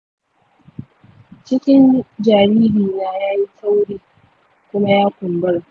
cikin jaririna ya yi tauri kuma ya kumbura.